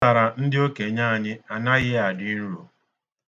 Ụtara ndị okenye anyị anaghị adị nro.